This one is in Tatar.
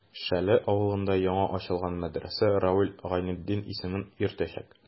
Шәле авылында яңа ачылган мәдрәсә Равил Гайнетдин исемен йөртәчәк.